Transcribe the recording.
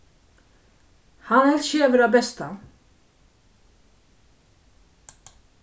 hann helt seg vera bestan